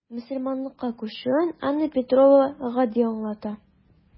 Мөселманлыкка күчүен Анна Петрова гади аңлата.